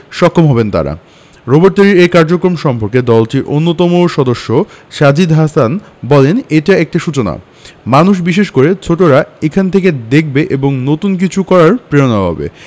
সক্ষম হবেন তারা রোবট তৈরির এ কার্যক্রম সম্পর্কে দলটির অন্যতম সদস্য সাজিদ হাসান বললেন এটা একটা সূচনা মানুষ বিশেষ করে ছোটরা এখান থেকে দেখবে এবং নতুন কিছু করার প্রেরণা পাবে